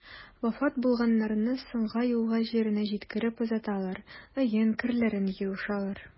Вафат булганнарны соңгы юлга җиренә җиткереп озаталар, өен, керләрен юышалар.